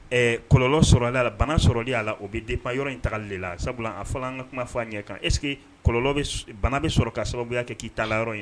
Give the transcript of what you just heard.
Ɛɛ kɔlɔlɔ sɔrɔlen a la, bana sɔrɔlen a la,o bɛ depend yɔrɔ in taali de la sabula a fɔla an ka kuma fɔɔa ɲɛ kan est ce que kɔlɔlɔ bɛ, bana bɛ sɔrɔ ka sababuya kɛ k'i ta yɔrɔ in